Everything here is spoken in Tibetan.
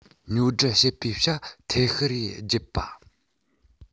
ཉོ སྒྲུབ བྱེད པའི བྱ ཐབས ཤིག རེད སྤྱད པ